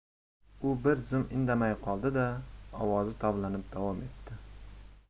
u bir zum indamay qoldi da ovozi tovlanib davom etdi